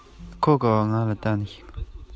ཡང ཕར ཙམ སོང བ ན མི རིང བའི